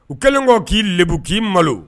U kɛlen kɔ k'i lebu k'i malo.